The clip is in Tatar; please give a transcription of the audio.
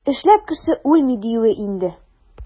Эшләп кеше үлми, диюе инде.